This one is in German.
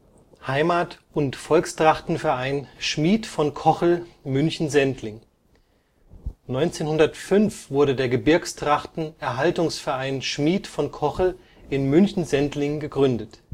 HuVTV „ Schmied von Kochel “München-Sendling. 1905 wurde der Gebirgstrachten-Erhaltungs-Verein Schmied von Kochel in München-Sendling gegründet